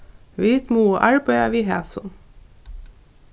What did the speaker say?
vit mugu arbeiða við hasum